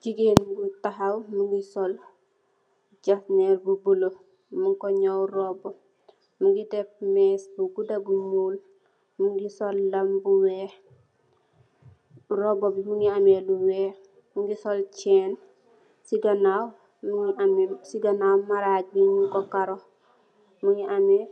Jigéen bu tahaw mungi sol gèsnirr bu bulo mung ko nëw robbu. Mungi deff mess bu gudda bu ñuul. Mungi sol lam bu weeh. Robba bi mungi ameh lu weeh, mungi sol chenn. Ci ganaaw mungi ameh, ci ganaaw maraj bi nung ko karo mungi ameh